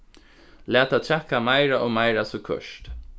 lat tað traðka meira og meira so hvørt